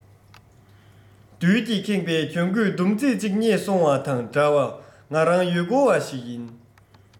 རྡུལ གྱིས ཁེངས པའི གྱོན གོས སྡོམ ཚིག ཅིག རྙེད སོང བ དང འདྲ བ ང རང ཡུལ སྐོར བ ཞིག ཡིན